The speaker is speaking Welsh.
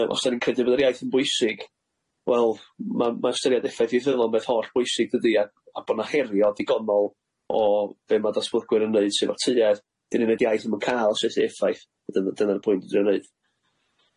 Yy os dan ni'n credu bod yr iaith yn bwysig wel ma' ma' ystyried effaith ieithyddol yn beth holl bwysig dydi ac a bo' na herio' digonol o be' ma' datblygwyr yn neud sy' efo tuedd i ni'n neud iaith ddim yn ca'l syth i effaith. Dyna dyna'r pwynt dwi'n drio neud.